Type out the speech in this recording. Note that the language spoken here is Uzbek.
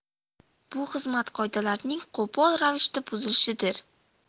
bu xizmat qoidalarining qo'pol ravishda buzilishidir